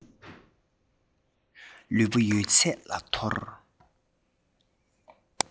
ལུས པོ ཡོད ཚད ལ ཐོར